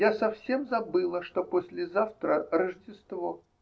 Я совсем забыла, что послезавтра Рождество".